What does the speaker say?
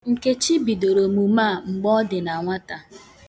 Nkechi bidoro omume a mgbe ọ dị na nwata.